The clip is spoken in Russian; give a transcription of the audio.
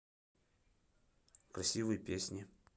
красивые песни